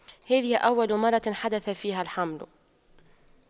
هذه أول مرة حدث فيها الحمل